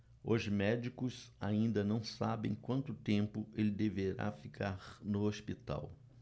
os médicos ainda não sabem quanto tempo ele deverá ficar no hospital